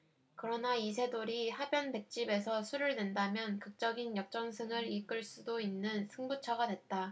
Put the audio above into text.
그러나 이세돌이 하변 백집에서 수를 낸다면 극적인 역전승을 이끌 수도 있는 승부처가 됐다